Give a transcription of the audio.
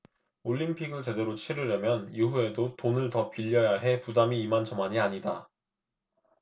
올림픽을 제대로 치르려면 이후에도 돈을 더 빌려야 해 부담이 이만저만이 아니다